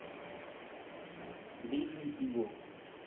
billie игл